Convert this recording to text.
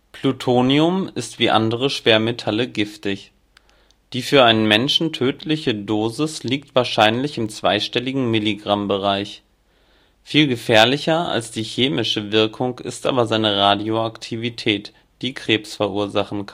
Plutonium ist wie andere Schwermetalle giftig. Die für einen Menschen tödliche Dosis liegt wahrscheinlich im zweistelligen Milligrammbereich, laut beträgt die LD-50-Dosis für Hunde 0,32 mg/kg Körpergewicht. Viel gefährlicher als die chemische Wirkung ist aber seine Radioaktivität, die Krebs verursachen